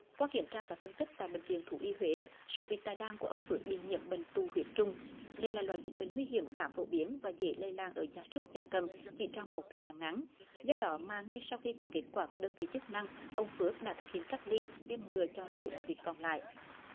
qua kiểm tra và phân tích tại bệnh viện thú y huế số vịt tại đàn của ông phước bị nhiễm bệnh tụ huyết trùng đây là loại dịch bệnh nguy hiểm khá phổ biến và dễ lây lan ở gia súc gia cầm chỉ trong một thời gian ngắn do đó mà ngay sau khi có kết quả của đơn vị chức năng ông phước đã thực hiện cách ly tiêm ngừa cho số đàn vịt còn lại